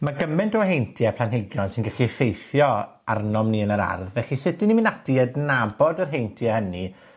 Ma' gyment o heintie planhigion sy'n gallu effeithio arnom ni yn yr ardd, felly sut 'dyn ni'n mynd ati i adnabod yr heintiau hynny,